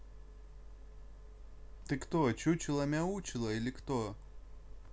ты кто чучело мяучело или кто